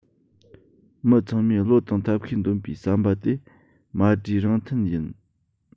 མི ཚང མས བློ དང ཐབས ཤེས འདོན པའི བསམ པ དེ མ བགྲོས རང མཐུན ཡིན